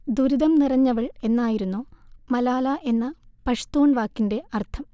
'ദുരിതം നിറഞ്ഞവൾ' എന്നായിരുന്നു മലാല എന്ന പഷ്തൂൺ വാക്കിന്റെ അർഥം